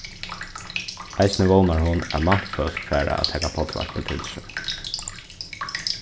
eisini vónar hon at mannfólk fara at taka poddvarpið til sín